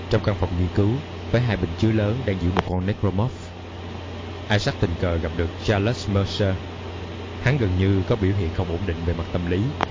trong căn phòng nghiên cứu với hai bình chứa lớn đang giữ một con necromorph isaac tình cờ gặp được challus mercer hắn gần như có biểu hiện không ổn định về mặt tâm lý